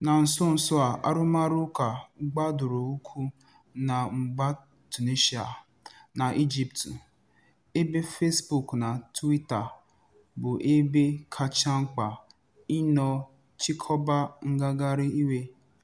Na nso nso a, arụmarụụka gbadoro ụkwụ na mba Tunisia na Ijiptu, ebe Fesbuk na Tụwita bụ ebe kacha mkpa ịnọ chịkọba ngagharị iwe.